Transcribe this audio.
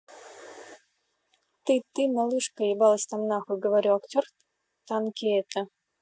ты ты малышка ебалась там нахуй говорю актер танки это